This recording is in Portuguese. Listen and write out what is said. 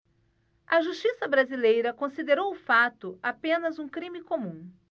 a justiça brasileira considerou o fato apenas um crime comum